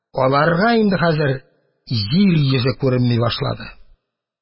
Аларга инде хәзер җир йөзе күренми башлады.